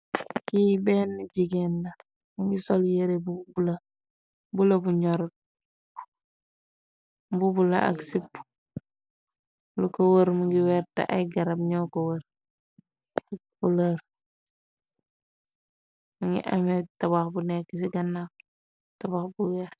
Ki bena jigéen la mongi sol yere bu bulu bulu bo norut mbubu la ak sipa lu ko worr mongi werta ay garab nyu ko woor mongi ame tabax bu neka ci ganaw tabax bu weex.